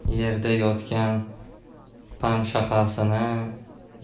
yerda yotgan panshaxasini